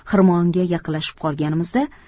xirmonga yaqinlashib qolganimizda